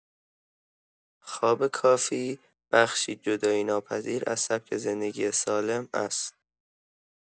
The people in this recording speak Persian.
خواب کافی بخشی جدایی‌ناپذیر از سبک زندگی سالم است.